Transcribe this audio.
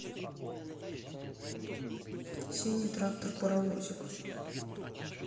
синий трактор паровозик